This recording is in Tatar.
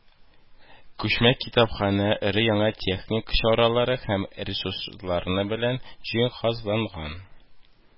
Күчмә китапханә өр-яңа техник чаралары һәм ресурслар белән җиһазланган